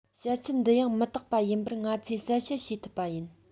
བཤད ཚུལ འདི ཡང མི དག པ ཡིན པར ང ཚོས གསལ བཤད བྱེད ཐུབ པ ཡིན